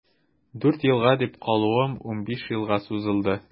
Дүрт елга дип калуым унбиш елга сузылды.